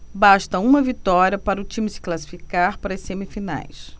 basta uma vitória para o time se classificar para as semifinais